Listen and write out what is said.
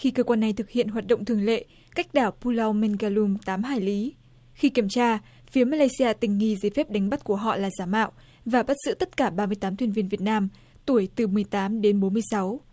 khi cơ quan này thực hiện hoạt động thường lệ cách đảo pu lau mên ga lun tám hải lý khi kiểm tra phía ma lay si a tình nghi giấy phép đánh bắt của họ là giả mạo và bắt giữ tất cả ba mươi tám thuyền viên việt nam tuổi từ mười tám đến bốn mươi sáu